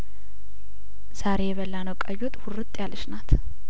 ዛሬ የበላነው ቀይወጥሁ ርጥ ያለችናት